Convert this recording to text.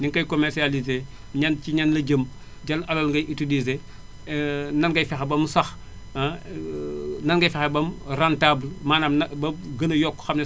ni nga koy commercialisé ñan ci ñan la jëm jan alal ngay utilisé nan ngay fexee ba mu sax ah nan ngay fexee ba mu rentable maanaam nan ba gën a yokk xam ne